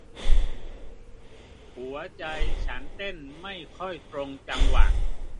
หัวใจฉันเต้นไม่ค่อยตรงจังหวะ